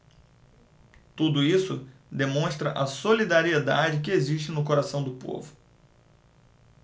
tudo isso demonstra a solidariedade que existe no coração do povo